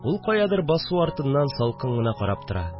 Ул каядыр басу артыннан салкын гына карап тора